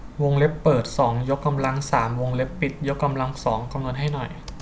วงเล็บเปิดสองยกกำลังสามวงเล็บปิดยกกำลังสองคำนวณให้หน่อย